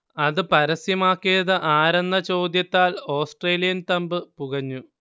അത് പരസ്യമാക്കിയത് ആരെന്ന ചോദ്യത്താൽ ഓസ്ട്രേലിയൻ തമ്പ് പുകഞ്ഞു